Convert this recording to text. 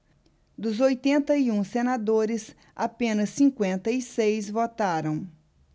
dos oitenta e um senadores apenas cinquenta e seis votaram